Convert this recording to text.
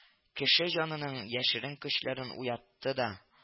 Кеше җанының яшерен көчләрен уятты да